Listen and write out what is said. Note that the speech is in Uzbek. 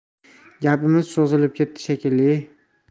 gapimiz cho'zilib ketdi shekilli